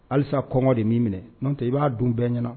Halisa kɔngɔ de m'i minɛn no tɛ, i b'a dun bɛɛ ɲɛna.